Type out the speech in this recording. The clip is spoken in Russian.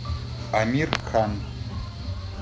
амир хан